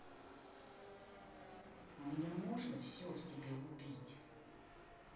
мне можно все в тебе убить